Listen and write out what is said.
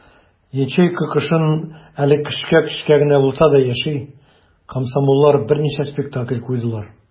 Ячейка кышын әле көчкә-көчкә генә булса да яши - комсомоллар берничә спектакль куйдылар.